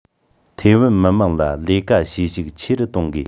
ཐའེ ཝན མི དམངས ལ ལས ཀ བྱེད ཤུགས ཆེ རུ གཏོང དགོས